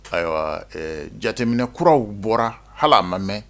Ayiwa jateminɛ kuraw bɔra hali a ma mɛn